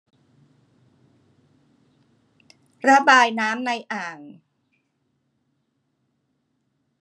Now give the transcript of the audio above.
ระบายน้ำในอ่าง